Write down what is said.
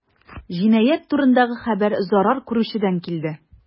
Җинаять турындагы хәбәр зарар күрүчедән килде.